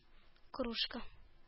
Кружка